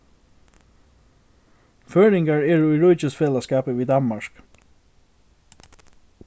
føroyingar eru í ríkisfelagsskapi við danmark